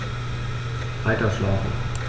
Weiterschlafen.